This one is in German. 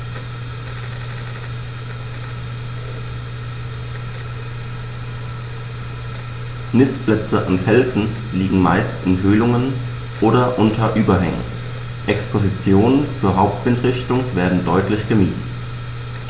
Nistplätze an Felsen liegen meist in Höhlungen oder unter Überhängen, Expositionen zur Hauptwindrichtung werden deutlich gemieden.